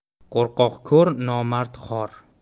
qo'rqoq ko'r nomard xor